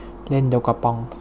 เล่นโดกาปอง